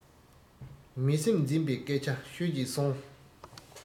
མི སེམས འཛིན པའི སྐད ཆ ཤོད ཀྱིན སོང